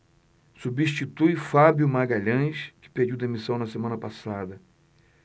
substitui fábio magalhães que pediu demissão na semana passada